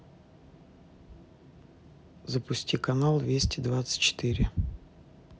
запусти канал вести двадцать четыре